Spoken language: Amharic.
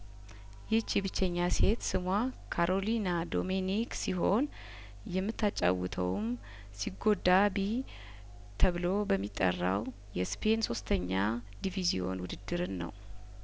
ይህች ብቸኛ ሴት ስሟ ካሮሊና ዶሜኒክ ሲሆን የምታጫውተውም ሲጐዳ ቢተብሎ በሚጠራው የስፔን ሶስተኛ ዲቪዚዮን ውድድርን ነው